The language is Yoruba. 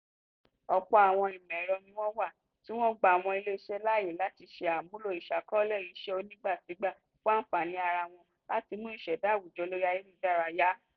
Ọ̀pọ̀ àwọn ìmọ̀-ẹ̀rọ ni wọ́n wà tí wọ́n ń gba àwọn ilé-iṣẹ́ láàyè láti ṣe àmúlò ìṣàkọọ́lẹ̀ isẹ́ onígbàsígbà fún àǹfààní ara wọn láti mú ìṣẹ̀dá àwùjọ lórí ayélujára yá.